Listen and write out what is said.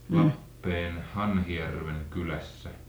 Lappeen Hanhijärven kylässä